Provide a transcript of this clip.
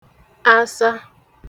asa